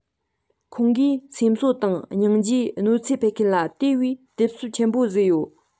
ཁོང གི སེམས གསོ དང སྙིང རྗེས གནོད འཚེ ཕོག ཁུལ ལ དེ བས རྡབ གསིག ཆེན པོ བཟོས ཡོད